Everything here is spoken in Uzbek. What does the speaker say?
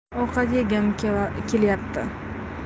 ovqat yegim kelyapti